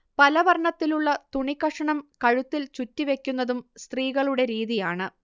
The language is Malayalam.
പലവർണ്ണത്തിലുള്ള തുണികഷ്ണം കഴുത്തിൽ ചുറ്റി വെക്കുന്നതും സ്ത്രീകളുടെ രീതിയാണ്